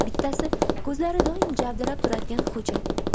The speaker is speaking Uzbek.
bittasi ko'zlari doim javdirab turadigan xo'ja